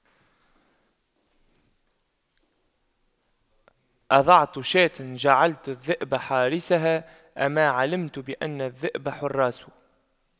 أضعت شاة جعلت الذئب حارسها أما علمت بأن الذئب حراس